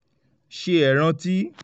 Ṣé ẹ rántí?